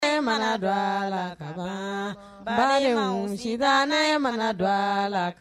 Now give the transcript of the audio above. Ne mana dɔgɔ a la ka balima si ne mana dɔgɔ a la